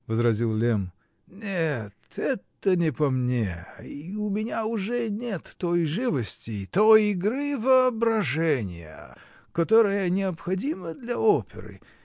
-- возразил Лемм, -- нет, это не по мне: у меня уже нет той живости, той игры вооброжения, которая необходима для оперы